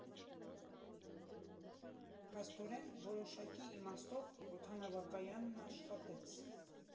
Փաստորեն, որոշակի իմաստով, օդանավակայանն աշխատեց։